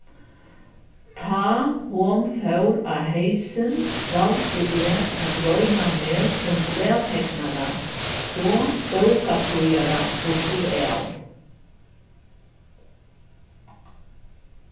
tá hon fór á heysin valdi eg at royna meg sum blaðteknara og bókaprýðara burturav